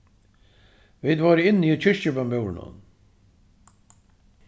vit vóru inni í kirkjubømúrinum